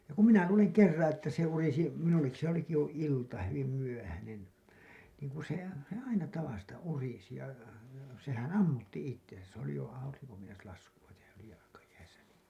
ja kun minä luulen kerran että se urisi minullekin se olikin jo ilta hyvin myöhäinen niin kun se se aina tavasta urisi ja sehän ammutti itsensä se oli jo aurinko meinasi laskea tehdä se oli jalkajäissä niin